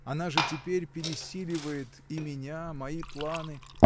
Она же теперь пересиливает и меня, мои планы.